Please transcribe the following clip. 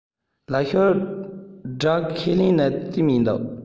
ལས ཤོར སྒྲག ཁས ལེན ནི རྩིས མེད འདུག